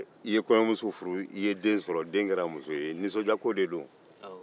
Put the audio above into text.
i ye kɔɲɔmuso furu i ye den sɔrɔ den kɛra muso nisɔndiyako don